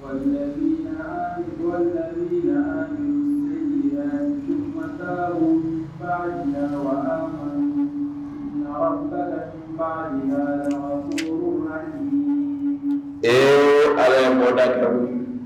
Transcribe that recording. Waunɛgɛnin wa wagɛnin yo ba yogɛnin ee mɔda yo